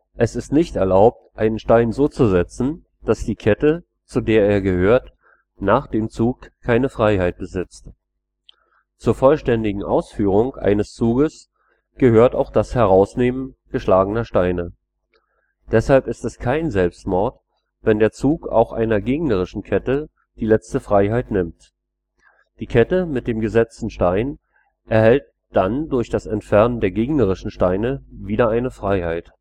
Es ist nicht erlaubt, einen Stein so zu setzen, dass die Kette, zu der er gehört, nach dem Zug keine Freiheit besitzt. Zur vollständigen Ausführung eines Zuges gehört auch das Herausnehmen geschlagener Steine. Deshalb ist es kein Selbstmord, wenn der Zug auch einer gegnerischen Kette die letzte Freiheit nimmt. Die Kette mit dem gesetzten Stein erhält dann durch das Entfernen der gegnerischen Steine wieder eine Freiheit